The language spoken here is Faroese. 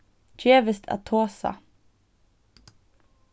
gevist at tosa